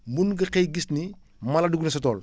mun nga xëy gis ni mala dugg na sa tool